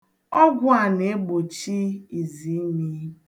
Ọgwụ a na-egbochi iziimi.